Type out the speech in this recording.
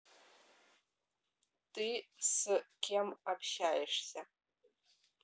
ты с кем общаешься